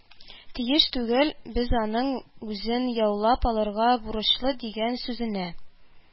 Тиеш түгел, без аның үзен яулап алырга бурычлы» дигән сүзенә